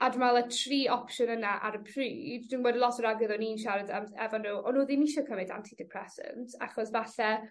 A dwi me'wl y tri opsiwn yna ar y pryd dwi'n gwbo lot o'r wragedd o'n i'n siarad am efo n'w o'n n'w ddim isie cymyd anti depressants achos falle